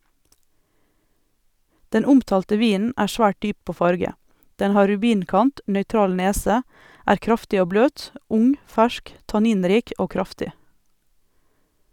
Den omtalte vinen er svært dyp på farge, den har rubinkant, nøytral nese, er kraftig og bløt, ung fersk, tanninrik og kraftig.